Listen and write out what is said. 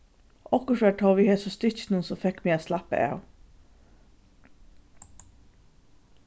okkurt var tó við hesum stykkinum sum fekk meg at slappa av